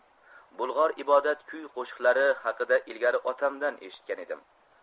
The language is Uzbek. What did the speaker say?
bulg'or ibodat kuy qo'shiqlari haqida ilgari otamdan eshitgan edim